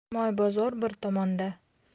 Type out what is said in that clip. shirmoy bozor bir tomonda